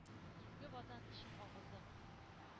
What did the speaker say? Изге Ватан өчен агызып,